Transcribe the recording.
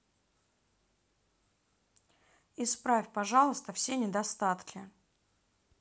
исправь пожалуйста все неполадки